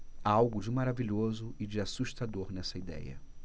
há algo de maravilhoso e de assustador nessa idéia